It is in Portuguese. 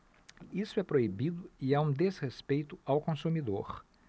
isso é proibido e é um desrespeito ao consumidor